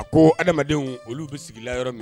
A ko adamadenw olu bɛ sigi la yɔrɔ min